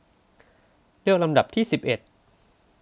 เลือกลำดับที่สิบเอ็ด